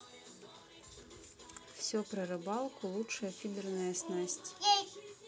все про рыбалку лучшая фидерная снасть